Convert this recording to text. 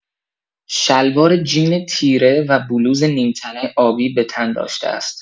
شلوار جین تیره و بلوز نیم‌تنه آبی به تن داشته است.